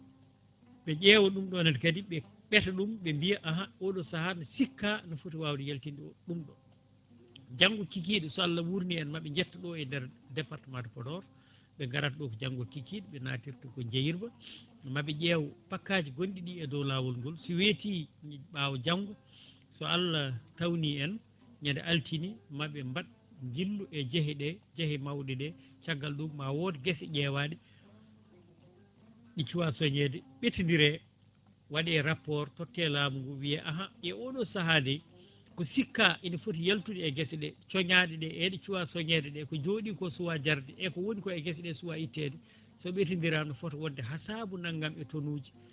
ɓe ƴeewa ɗum ne kadi ɓe ɓeeta ɗum ɓe mbiya ahan oɗo saaha hikka ne foti wawde yaltinde ɗum ɗo janggo kikiɗe so Allah wurni en maɓe jettoɗo o e nder département de Podor ɓe garata ɗo ko janggo kikiɗe ɓe natirta ko jeeyiba maɓe ƴew fakkaji gonɗi ɗi e dow laawol ngol sp weeti ɓaawo janggo so Allah tawni en ñande altine maɓe mbatt jillu e jeehe ɗe jeehe mawɗe ɗe caggal ɗum ma wood guese ƴewaɗe ɗi cuwa soñede ɓetodire waɗe rapport totte lamu ngu wiye ahan ƴeew oɗo saaha de ko sikka ene foti yaltude e gueseɗe coñaɗe ɗe e ɗe cuwa coñede ɗe ko jooɗi ko suwa jarde eko woni ko e gueseɗe suwa ittede soɓetodirama ne fota wonde ha saabu nanggam e tonnes uji